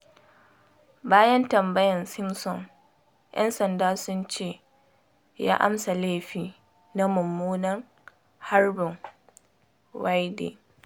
Bayan tambayan Simpson, ‘yan sanda sun ce ya amsa laifi na mummunan harbin Wayde.